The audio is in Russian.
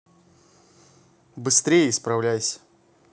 быстрее исправляйся